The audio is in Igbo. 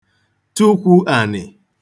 tukwu ànị̀